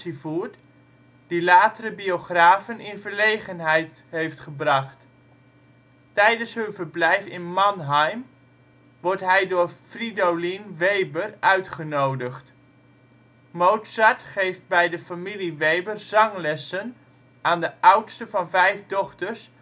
voert, die latere biografen in verlegenheid heeft gebracht. Tijdens hun verblijf in Mannheim wordt hij door Fridolin Weber uitgenodigd. Mozart geeft bij de familie Weber zanglessen aan de oudste van vijf dochters